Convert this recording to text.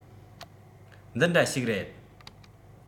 འདི འདྲ ཞིག རེད